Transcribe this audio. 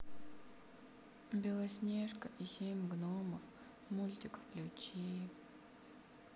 белоснежка и семь гномов мультик включи